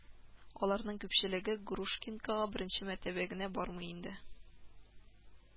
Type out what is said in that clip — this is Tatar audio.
Аларның күпчелеге Грушкинкага беренче мәртәбә генә бармый инде